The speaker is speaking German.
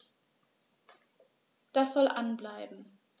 Das soll an bleiben.